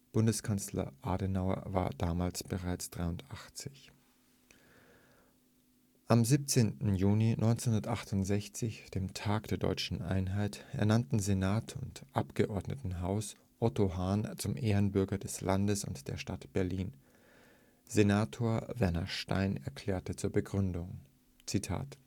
Bundeskanzler Adenauer war damals bereits 83.) Am 17. Juni 1968, dem ' Tag der Deutschen Einheit ', ernannten Senat und Abgeordnetenhaus Otto Hahn zum Ehrenbürger des Landes und der Stadt Berlin. Senator Werner Stein erklärte zur Begründung: „ Sein